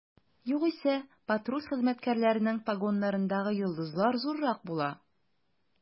Югыйсә, патруль хезмәткәрләренең погоннарындагы йолдызлар зуррак була.